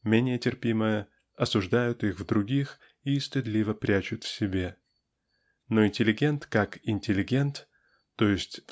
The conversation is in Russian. менее терпимые осуждают их в других и стыдливо прячут в себе. Но интеллигент как интеллигент, т. е.